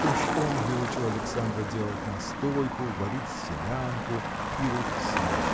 Уж он выучил Александра делать настойку, варить селянку и рубцы.